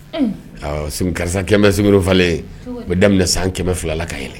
Unh ɔɔ sung karisa kɛmbɛ sungurufalen ye unh o be daminɛ san 200 la ka yɛlɛn